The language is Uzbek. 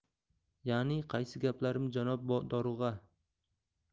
yani qaysi gaplarim janob dorug'a